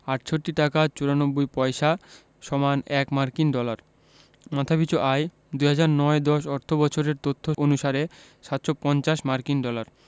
৬৮ টাকা ৯৪ পয়সা = ১ মার্কিন ডলার মাথাপিছু আয়ঃ ২০০৯ ১০ অর্থবছরের তথ্য অনুসারে ৭৫০ মার্কিন ডলার